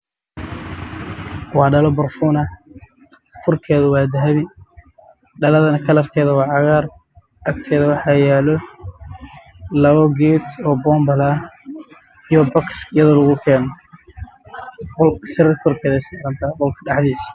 Waxaa ii muuqda kartoon ku jirto catar iyo boonmala